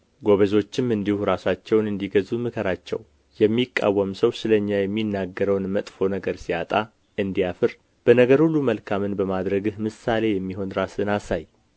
ጎበዞችም እንዲሁ ራሳቸውን እንዲገዙ ምከራቸው የሚቃወም ሰው ስለ እኛ የሚናገረውን መጥፎ ነገር ሲያጣ እንዲያፍር በነገር ሁሉ መልካምን በማድረግህ ምሳሌ የሚሆን ራስህን አሳይ